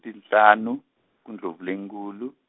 tinhlanu, kuNdlovulenkhulu.